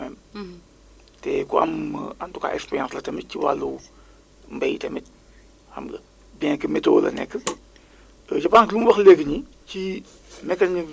rajo yi ñu ngi koy jël am na l' internet mi ngi koy jël mais dem nañu ba xam ni loolu yëpp doyul parce que xëy na bëri na producteurs yi xam ni tey jii jote wuñ ci internet bi